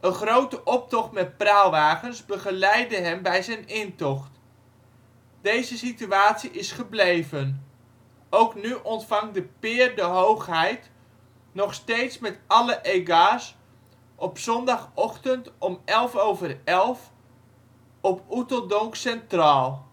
grote optocht met praalwagens begeleidde hem bij zijn intocht. Deze situatie is gebleven: ook nu ontvangt de Peer de Hoogheid nog steeds met alle egards op zondagochtend om 11.11 uur op Oeteldonk Centraol